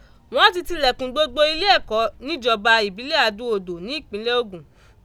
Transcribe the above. Wọ́n ti tilẹ̀kùn gbogbo ilé ẹ̀kọ́ níjọba ìbílẹ̀ Adó odò ní ìpínlẹ̀ Ògùn.